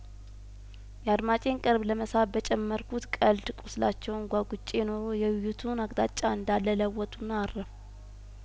ያድማጬን ቀልብ ለመሳብ በጨመርኩት ቀልድ ቁስላቸውን ጓጉጬ ኖሮ የውይይቱን አቅጣጫ እንዳለ ለወጡና አረፉ